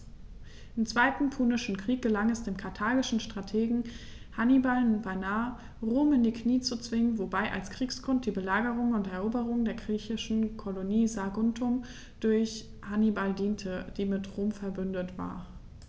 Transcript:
Im Zweiten Punischen Krieg gelang es dem karthagischen Strategen Hannibal beinahe, Rom in die Knie zu zwingen, wobei als Kriegsgrund die Belagerung und Eroberung der griechischen Kolonie Saguntum durch Hannibal diente, die mit Rom „verbündet“ war.